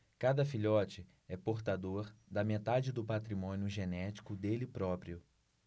cada filhote é portador da metade do patrimônio genético dele próprio